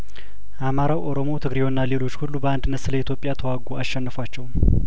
አማራው ኦሮሞው ትግሬውና ሌሎች ሁሉ በአንድነት ስለኢትዮጵያ ተዋጉ አሸነፏቸውም